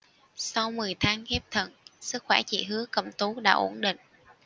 sau mười tháng ghép thận sức khỏe chị hứa cẩm tú đã ổn định